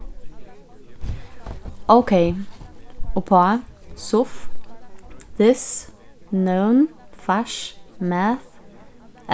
ókey uppá suff this nøvn fars math